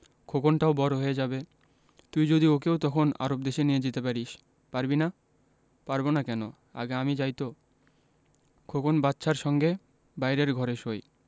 খোকনটাও বড় হয়ে যাবে তুই যদি ওকেও তখন আরব দেশে নিয়ে যেতে পারিস পারবি না পারব না কেন আগে আমি যাই তো খোকন বাদশার সঙ্গে বাইরের ঘরে শোয়